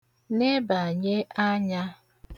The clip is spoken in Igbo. nebànye anyā